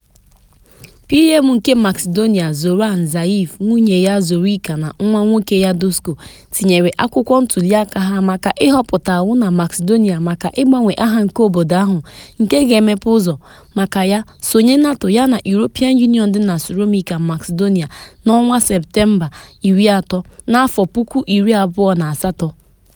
Ọ bụrụ na ha achọghị ịnabata anyị ka Macedonia, anyị nwere ike ịchọ ndị ọzọ dị ka China na Russia ma bụrụ akụkụ nke ngwakọta Euro-Asia.”